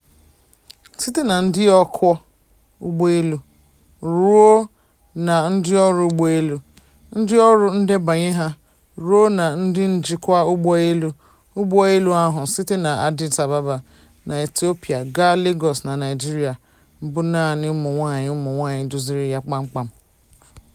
Site na ndị ọkwọ ụgbọelu ruo na ndịọrụ ụgbọelu, ndịọrụ ndebanye aha ruo na ndị njikwa ụgbọelu, ụgbọelu ahụ — site na Addis Ababa na Ethiopia gaa Lagos na Naịjirịa — bụ naanị ụmụnwaanyị (nwaanyị) duziri ya kpamkpam.